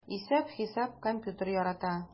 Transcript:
Исәп-хисап, компьютер ярата...